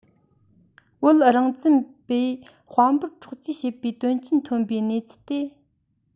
བོད རང བཙན པས དཔལ འབར འཕྲོག རྩིས བྱེད པའི དོན རྐྱེན ཐོན པའི གནས ཚུལ དེ